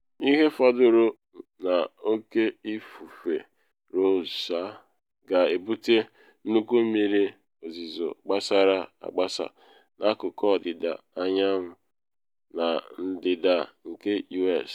Ihe fọdụrụ na Oke Ifufe Rosa ga-ebute nnukwu mmiri ozizo gbasara agbasa n’akụkụ ọdịda anywa na ndịda nke US